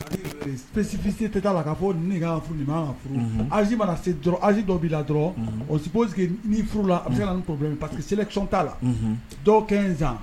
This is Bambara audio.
Spécificité t'a la k'a fɔ nin de kan ka furu nin man ka furu âge mana se dɔrɔn ni âge dɔ b'i la on suppose que n'i furula a bɛ se ka na ni problème ye parce que sélection t'a la, unhun, dɔw 15 ans